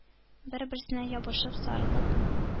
Бер-берсенә ябышып, сарылып.